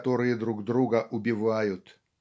которые друг друга убивают.